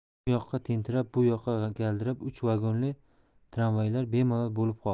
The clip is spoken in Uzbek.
u yoqqa tentirab bu yoqqa galdirab uch vagonli tramvaylar bemalol bo'lib qoldi